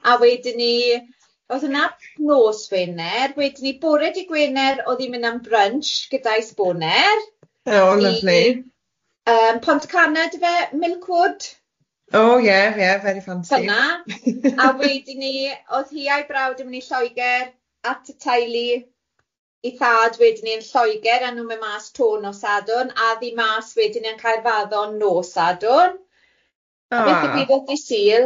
a wedyn ni, odd hwnna'n nos Wener, wedyn ni bore dydd Gwener odd hi'n mynd am brunch gyda'i sboner... O lyfli. ...i yym Pontycanad yfe Milkwood... O ie ie very fancy. ...hwnna a wedyn ni oedd hi a'i brawd yn mynd i Lloegr at y tailu ei thad wedyn ni yn Lloegr a nhw'n mynd mas to nos Sadwrn a oedd hi mas wedyn yn Caerfaddon nos Sadwrn... Ah. ...a beth ddigwyddodd ddydd Sul?